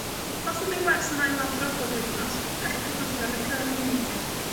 Os ydi'r wers yn ailadrodd bob wythnos, gallwch chi glicio Recurring Meeting.